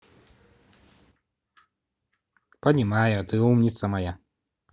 понимаю ты умница моя